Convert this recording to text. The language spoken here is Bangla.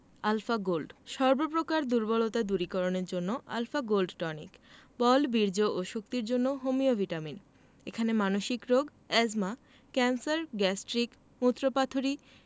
আলফা গোল্ড সর্ব প্রকার দুর্বলতা দূরীকরণের জন্য আল্ ফা গোল্ড টনিক বল বীর্য ও শক্তির জন্য হোমিও ভিটামিন এখানে মানসিক রোগ এ্যজমা ক্যান্সার গ্যাস্ট্রিক মুত্রপাথড়ী